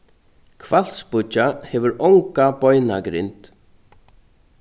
hvalspýggja hevur onga beinagrind